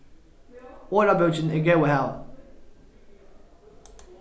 orðabókin er góð at hava